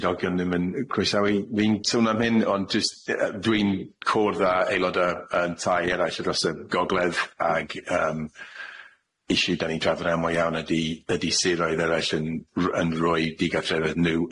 yswydogion ddim yn croesawu fi'n swn am hyn ond jyst yy yy dwi'n cwrdd â aelod yy yn tai eraill dros y Gogledd ag yym issue dan ni'n drafod amal iawn ydi ydi siroedd eryll yn r- yn roi digartrefedd n'w